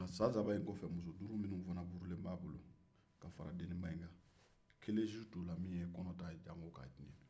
nka san saba in kɔfɛ muso duuru minnuw furulen tun bɛ a bolo ka fara deninba in kan kelen si tɛ u la min ye kɔnɔ ta a ye jango ka a tiɲɛ